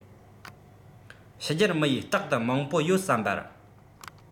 ཕྱི རྒྱལ མི ཡིས རྟག ཏུ མང པོ ཡོད བསམ པར